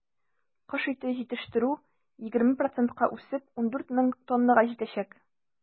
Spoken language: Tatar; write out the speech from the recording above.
Кош ите җитештерү, 20 процентка үсеп, 14 мең тоннага җитәчәк.